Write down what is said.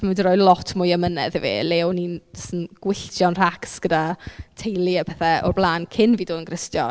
Ma' fe di rhoi lot mwy o 'mynedd i fi le o'n i'n jyst yn gwylltio'n rhacs gyda teulu a pethe o'r blaen cyn i fi dod yn Gristion.